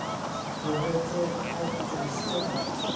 rbk qayd etilishicha otishma